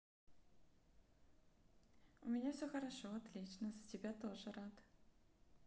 у меня все хорошо отлично за тебя тоже рад